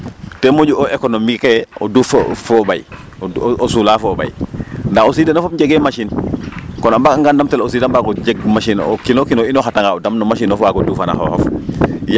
Ten moƴu économique ee o duuf fo o ɓay o du o sulaa fo o ɓay ndaa aussi den o fop njegee machine kon a mbaganga ndamtel aussi da mbaag o njeg machine o kiin o kiin o inooxatanga o dam no machine of waag o duufanaa xooxof.